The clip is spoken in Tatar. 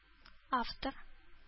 Автор